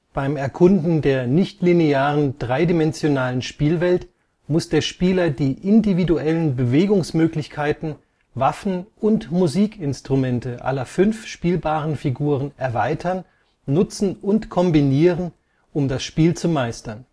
Beim Erkunden der nicht-linearen dreidimensionalen Spielwelt muss der Spieler die individuellen Bewegungsmöglichkeiten, Waffen und Musikinstrumente aller fünf spielbaren Figuren erweitern, nutzen und kombinieren, um das Spiel zu meistern